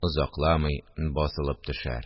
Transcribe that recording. Озакламый басылып төшәр